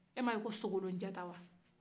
e ma ye ko sogolonjata wa